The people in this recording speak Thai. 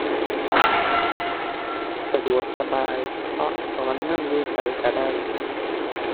สะดวกสบาย เพราะถอนเงินอยู่ไสก็ได้